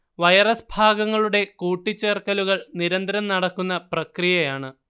virus ഭാഗങ്ങളുടെ കൂട്ടിച്ചേർക്കലുകൾ നിരന്തരം നടക്കുന്ന പ്രക്രിയയാണ്